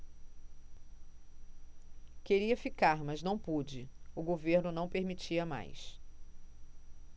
queria ficar mas não pude o governo não permitia mais